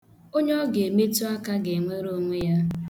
Onye ọ ga-emetu aka ga-enwere onwe ya.